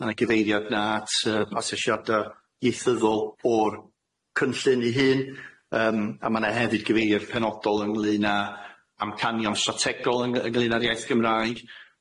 Ma' na gyfeiriad na at yy asesiada ieithyddol o'r cynllun ei hun yym a ma' na hefyd gyfeiriad penodol ynglŷn â amcanion strategol yng- ynglŷn â'r iaith Gymraeg,